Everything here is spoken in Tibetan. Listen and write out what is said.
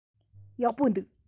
ཡག པོ འདུག